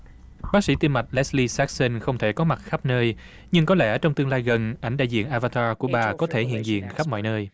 bác sĩ tim mạch lét li sắc xanh không thể có mặt khắp nơi nhưng có lẽ trong tương lai gần ảnh đại diện a va ta của bà có thể hiện diện khắp mọi nơi